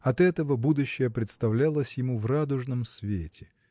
От этого будущее представлялось ему в радужном свете.